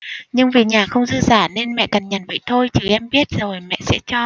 nhưng vì nhà không dư giả nên mẹ cằn nhằn vậy thôi chứ em biết rồi mẹ sẽ cho